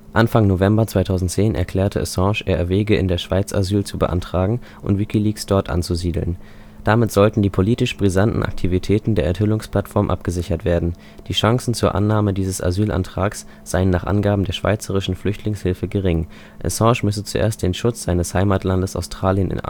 Anfang November 2010 erklärte Assange, er erwäge in der Schweiz Asyl zu beantragen und WikiLeaks dort anzusiedeln. Damit sollten die politisch brisanten Aktivitäten der Enthüllungsplattform abgesichert werden. Die Chancen zur Annahme dieses Asylantrags seien nach Angaben der Schweizerischen Flüchtlingshilfe gering. Assange müsse zuerst den Schutz seines Heimatlandes Australien